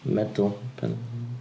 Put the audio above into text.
Medle pedal?